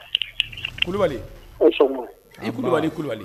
Kulubali kulubali kulubali